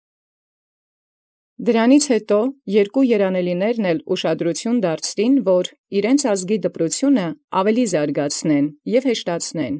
Յետ այնորիկ ուշ եդեալ երկոցունց երանելեացն՝ զիւրեանց ազգին զդպրութիւն առաւել յարգել և դիւրացուցանել։